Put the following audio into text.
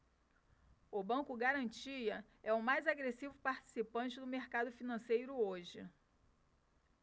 o banco garantia é o mais agressivo participante do mercado financeiro hoje